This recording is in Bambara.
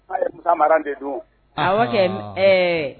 A ye Musa Mara de dun awɔ kɛ ɛɛ